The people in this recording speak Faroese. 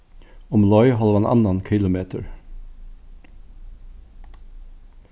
umleið hálvan annan kilometur